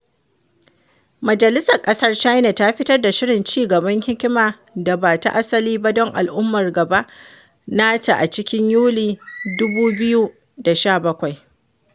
Majalisar Ƙasar China ta fitar da Shirin Ci Gaban Hikimar Da Ba Ta Asali Don Al’ummar Gaba nata a cikin Yulin 2017.